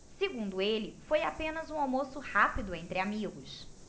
segundo ele foi apenas um almoço rápido entre amigos